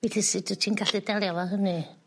Because sut wt ti'n gallu delio efo hynny?